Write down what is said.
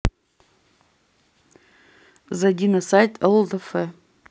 зайди на сайт лдф